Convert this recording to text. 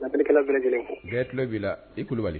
P v kelen bɛɛ tulolo b'i ili kulubali